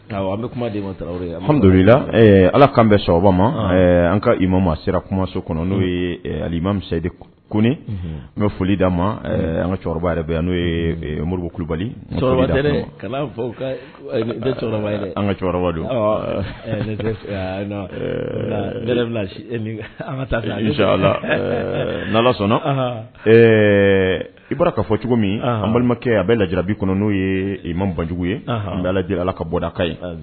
An kuma madu ala'an bɛ ma an ka i ma maa sera kumaso kɔnɔ n'o ko n bɛ foli d'a ma an ka cɛkɔrɔba yɛrɛ yan n'o ye moribugu kulubali an ka don ni sɔnna i bɔra' fɔ cogo min balimakɛ a bɛ lajarabi kɔnɔ n'o ye i ma banjugu ye n bɛ lajɛlen ala ka bɔdaka ye